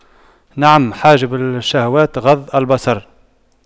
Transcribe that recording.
نعم حاجب الشهوات غض البصر